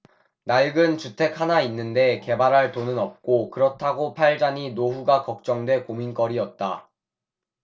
낡은 주택 하나 있는데 개발할 돈은 없고 그렇다고 팔자니 노후가 걱정돼 고민거리였다